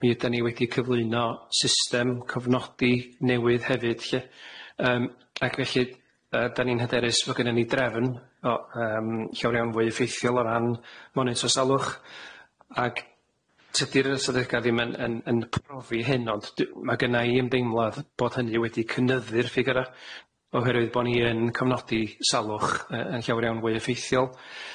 Mi ydan ni wedi cyflwyno system cofnodi newydd hefyd lly yym ac felly yy dan ni'n hyderus bo' gynnon ni drefn o yym llawer iawn fwy effeithiol o ran monitro salwch ag tydi'r ystadegau ddim yn yn yn profi hyn ond dy- ma' gynna i ymdeimladd bod hynny wedi cynyddu'r ffigyra' oherwydd bo' ni yn cofnodi salwch yy yn llawer iawn fwy effeithiol.